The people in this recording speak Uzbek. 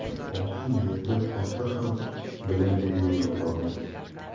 oltin yerda qolsa ham bilimli yo'lda qolmas